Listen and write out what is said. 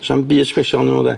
Sa'm byd sbesial yn un n'w de?